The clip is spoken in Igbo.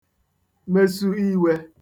mesu iwe